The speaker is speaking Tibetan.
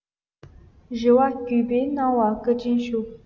རེ བ བརྒྱུད སྤེལ གནང བར བཀའ དྲིན ཞུ